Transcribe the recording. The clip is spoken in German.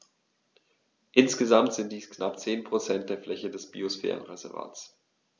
Insgesamt sind dies knapp 10 % der Fläche des Biosphärenreservates.